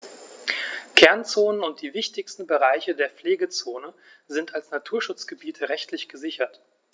Kernzonen und die wichtigsten Bereiche der Pflegezone sind als Naturschutzgebiete rechtlich gesichert.